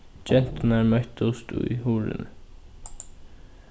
genturnar møttust í hurðini